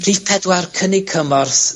Rhif pedwar, cynnig cymorth